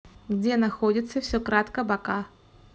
где находится все кратко бока